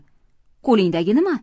qo'lingdagi nima